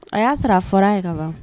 A y'a sɔrɔ a fɔra ye kaban